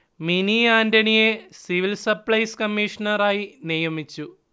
mini ആന്റണിയെ civil supplies കമീഷണറായി നിയമിച്ചു